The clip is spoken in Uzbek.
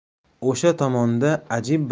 o'sha tomonda ajib